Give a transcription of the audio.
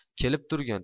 kelib turgin